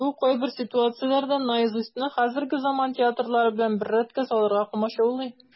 Бу кайбер ситуацияләрдә "Наизусть"ны хәзерге заман театрылары белән бер рәткә салырга комачаулый.